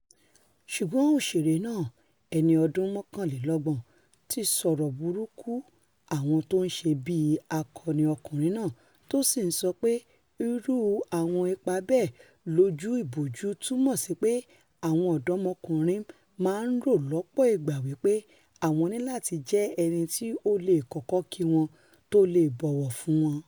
Ṣùgbọ́n òṣèré náà, ẹni ọdún mọ́kànlélọ́gbọ̀n, ti sọ̀rọ̀ burúkú àwọn tóńṣe bí akọni ọkùnrin náà, tó sì ńs̵ọpé irú àwọn ipa bẹ́ẹ̀ lójú ìbòjú túmọ̀sí pé àwọn ọ̀dọ́mọkùnrin máa ńrò lọ́pọ̀ ìgbà wí pé àwọn níláti jẹ́ ẹniti o le koko kí wọ́n tó leè bọ̀wọ̀ fún wọn.